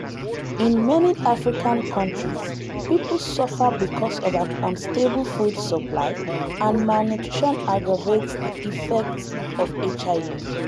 In many African countries people suffer because of an unstable food supply, and malnutrition aggravates the effects of HIV.